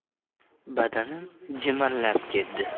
badanim jimirlab ketdi